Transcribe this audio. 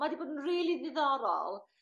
Ma' 'di bod yn rili ddiddorol